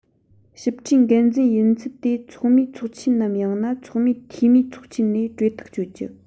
ཞིབ ཕྲའི འགན འཛིན ཡུན ཚད དེ ཚོགས མིའི ཚོགས ཆེན ནམ ཡང ན ཚོགས མིའི འཐུས མིའི ཚོགས ཆེན ནས གྲོས ཐག གཅོད རྒྱུ